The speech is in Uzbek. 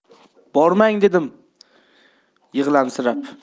bormang dedim yig'lamsirab